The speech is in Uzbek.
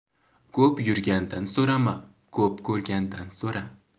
ko'p yurgandan so'rama ko'p ko'rgandan so'ra